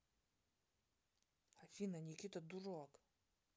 афина никита дурак